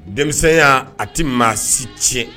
Denmisɛnw y'a a tɛ maa si tiɲɛ